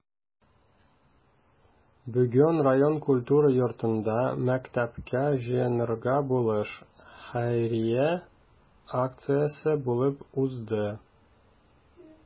Бүген район культура йортында “Мәктәпкә җыенырга булыш” хәйрия акциясе булып узды.